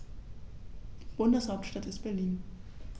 Bundeshauptstadt ist Berlin.